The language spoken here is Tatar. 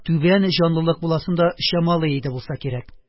Түбән җанлылык буласын да чамалый иде булса кирәк.